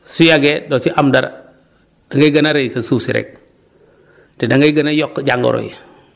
su yàggee doo ci am dara da ngay gën a rey sa suuf si rek te da ngay gën a yokk jangoro yi